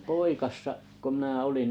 poikasena kun minä olin